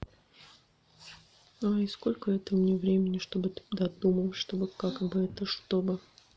а и сколько это мне времени чтобы ты додумал чтобы как бы это чтобы